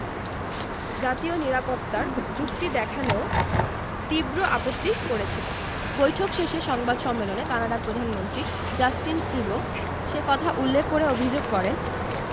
জাতীয় নিরাপত্তা র যুক্তি দেখানোয় তীব্র আপত্তি করেছিল বৈঠক শেষে সংবাদ সম্মেলনে কানাডার প্রধানমন্ত্রী জাস্টিন ট্রুডো সে কথা উল্লেখ করে অভিযোগ করেন